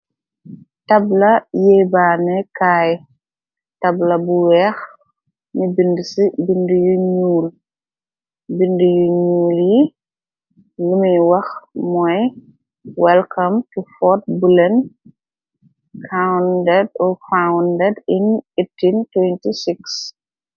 Tabla yéebaane kay, tabla bu wèèx ñi bindé ci bindé yu ñuul bindé yu ñuul yi lumuy wax moy welkom tu fort bulen founded in 1826.